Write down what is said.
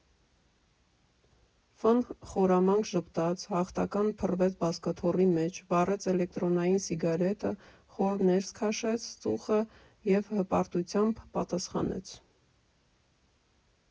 Ֆ֊ն խորամանկ ժպտաց, հաղթական փռվեց բազկաթոռի մեջ, վառեց էլեկտրոնային սիգարետը, խոր ներս քաշեց ծուխը և հպարտությամբ պատասխանեց՝